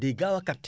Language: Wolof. day gaaw a capté